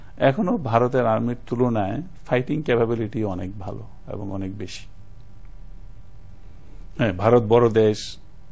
এখনো ভারতের আর্মির তুলনায় ফাইটিং ক্যাপাবিলিটি অনেক ভালো এবং অনেক বেশি ভারত বড় দেশ